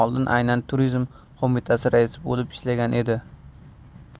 aynan turizm qo'mitasi raisi bo'lib ishlagan edi